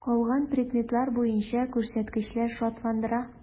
Калган предметлар буенча күрсәткечләр шатландыра.